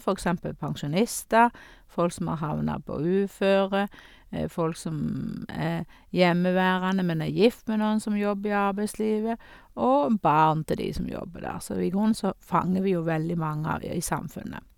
For eksempel pensjonister, folk som har havna på uføre, folk som er hjemmeværende, men er gift med noen som jobber i arbeidslivet, og barn til de som jobber der, så i grunn så fanger vi jo veldig mange av je i samfunnet.